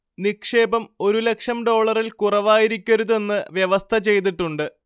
നിക്ഷേപം ഒരു ലക്ഷം ഡോളറിൽ കുറവായിരിക്കരുതെന്ന് വ്യവസ്ഥ ചെയ്തിട്ടുണ്ട്